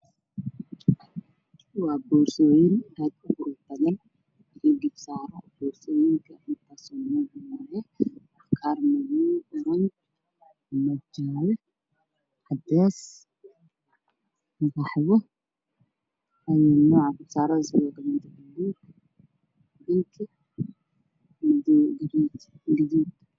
Waxaa ii muuqda garbasaaro iyo boorsooyin ay xirtaan dumarka